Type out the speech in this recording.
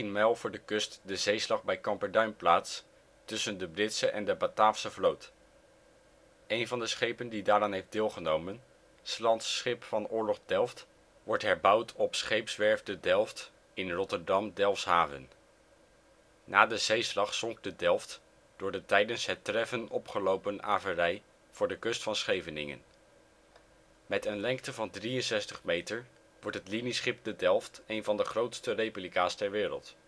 mijl voor de kust de Zeeslag bij Kamperduin plaats tussen de Britse en de Bataafse vloot. Eén van de schepen die daaraan heeft deelgenomen, ' s Lands schip van Oorlog ' Delft ', wordt herbouwd op Scheepswerf De Delft in Rotterdam-Delfshaven. Na de zeeslag zonk de ' Delft ' door de tijdens het treffen opgelopen averij voor de kust van Scheveningen. Met een lengte van 63 meter wordt het linieschip ' De Delft ' één van de grootste replica 's ter wereld